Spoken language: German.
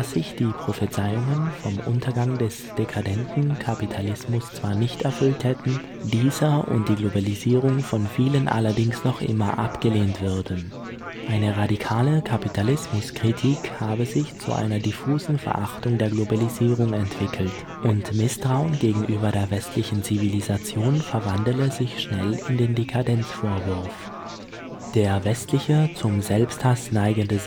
sich die Prophezeiungen vom Untergang des (dekadenten) Kapitalismus zwar nicht erfüllt hätten, dieser und die Globalisierung von vielen allerdings noch immer abgelehnt würden. Eine radikale Kapitalismuskritik habe sich zu einer diffusen Verachtung der Globalisierung entwickelt, und Misstrauen gegenüber der westlichen Zivilisation verwandele sich schnell in den Dekadenz-Vorwurf. Der westliche, zum Selbsthass neigende